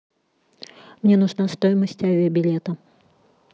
мне нужна стоимость авиабилета